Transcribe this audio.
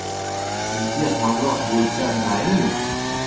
sizga hamroh bo'lsam maylimi